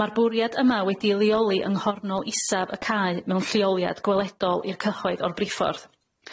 Ma'r bwriad yma wedi'i leoli yng nghornol isaf y cae mewn lleoliad gweledol i'r cyhoedd o'r briffordd.